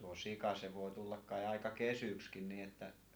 tuo sika se voi tulla kai aika kesyksikin niin että